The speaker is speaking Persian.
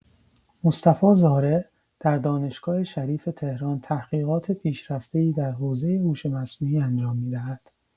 مصطفی زارع در دانشگاه شریف تهران تحقیقات پیشرفته‌ای در حوزه هوش مصنوعی انجام می‌دهد.